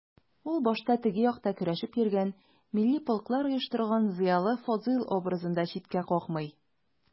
Ул башта «теге як»та көрәшеп йөргән, милли полклар оештырган зыялы Фазыйл образын да читкә какмый.